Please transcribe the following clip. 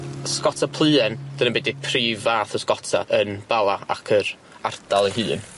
Pyscota pluen, dyna be' 'di prif fath o scota yn Bala ac yr ardal ei hun.